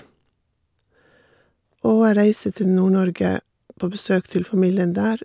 Og jeg reiser til Nord-Norge på besøk til familien der.